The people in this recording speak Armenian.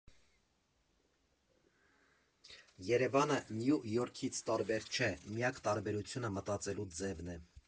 Երևանը Նյու Յորքից տարբեր չէ, միակ տարբերությունը մտածելու ձևն է։